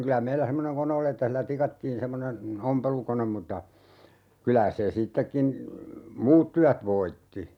kyllä meillä semmoinen kone oli että sillä tikattiin semmoinen ompelukone mutta kyllä se sittenkin muut työt voitti